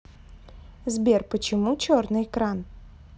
сбер почему черный экран